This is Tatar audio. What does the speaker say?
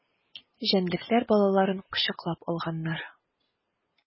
Җәнлекләр балаларын кочаклап алганнар.